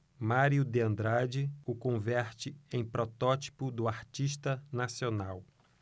mário de andrade o converte em protótipo do artista nacional